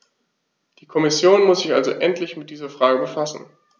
Die Kommission muss sich also endlich mit dieser Frage befassen.